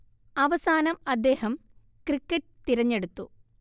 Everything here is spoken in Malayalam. അവസാനം അദ്ദേഹം ക്രിക്കറ്റ് തിരെഞ്ഞെടുത്തു